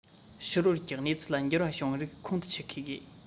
ཕྱི རོལ ཡུལ གྱི གནས ཚུལ ལ འགྱུར བ བྱུང རིགས ཁོང དུ ཆུད མཁས དགོས